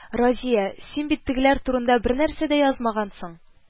Разия, син бит тегеләр турында бернәрсә дә язмагансың